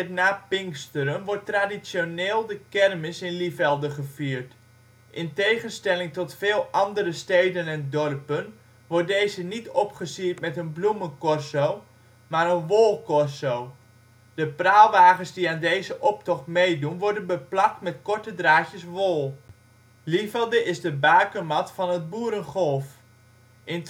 na Pinksteren wordt traditioneel de kermis in Lievelde gevierd. In tegenstelling tot veel andere steden en dorpen wordt deze niet opgesierd met een bloemencorso, maar een wolcorso. De praalwagens die aan deze optocht meedoen worden beplakt met korte draadjes wol. Lievelde is de bakermat van het boerengolf. In 2004